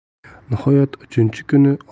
nihoyat uchinchi kuni